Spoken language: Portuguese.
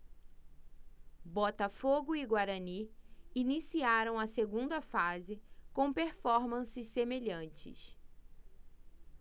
botafogo e guarani iniciaram a segunda fase com performances semelhantes